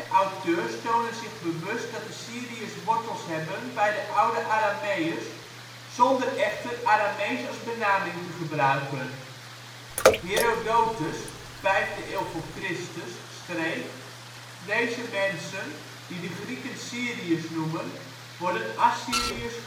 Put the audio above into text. auteurs tonen zich bewust dat de Syriërs wortels hebben bij de oude Arameeërs, zonder echter het gebruik van " Aramees " als benaming te gebruiken. Herodotus (5e eeuw voor Chr.) schreef: " Deze mensen, die de Grieken Syriërs noemen, worden Assyriërs